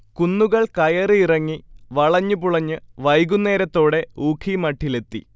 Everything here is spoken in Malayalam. കുന്നുകൾ കയറിയിറങ്ങി, വളഞ്ഞ് പുളഞ്ഞു വൈകുന്നേരത്തോടെ ഊഖിമഠീലെത്തി